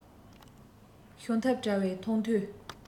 ཤོང ཐབས བྲལ བའི མཐོང ཐོས